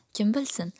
kim bilsin